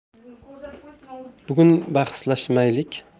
bugun bahslashmaylik